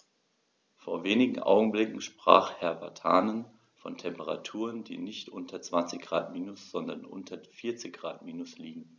Vor wenigen Augenblicken sprach Herr Vatanen von Temperaturen, die nicht nur unter 20 Grad minus, sondern unter 40 Grad minus liegen.